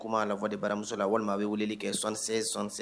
Kuma'a la fɔ de baramuso la walima bɛ wele kɛ sonsen sɔsen